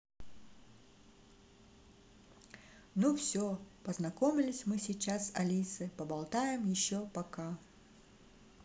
ну все познакомились мы сейчас с алисой поболтаем еще пока